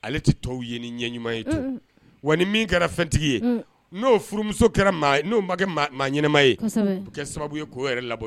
Ale tɛ tɔw ye nin ɲ ɲuman ye wa ni min kɛra fɛntigi ye n'o furumuso kɛra n'o ma kɛ maa ɲma ye o kɛ sababu ye k' yɛrɛ labɔ